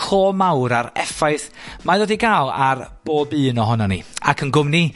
clo mawr, ar effaith mae o 'di ga'l ar bob un ohonon ni. Ac yn gwmni...